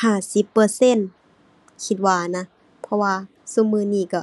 ห้าสิบเปอร์เซ็นต์ คิดว่านะ เพราะว่าซุมื้อนี้ก็